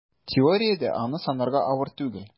Теориядә аны санарга авыр түгел: